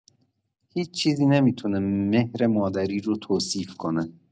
هیچ چیزی نمی‌تونه مهر مادری رو توصیف کنه.